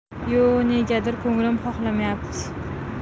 yo'q negadir ko'nglim xohlamayapti